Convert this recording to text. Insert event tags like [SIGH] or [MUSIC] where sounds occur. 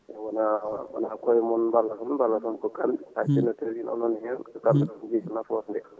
wona wona kooye moon balloton balloton ko kamɓe [SMACKS LIPS] hay sinno tawi onoon hen [SMACKS LIPS] gadotako yiide nafoore nde